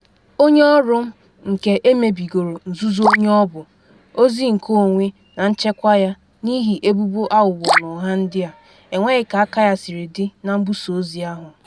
“Onye ọrụ m nke emebigoro nzuzo onye ọ bụ, ozi nkeonwe na nchekwa ya n’ihi ebubo aghụghọ na ụgha ndị a - enweghị ka aka ya siri dị na mbusa ozi ahụ.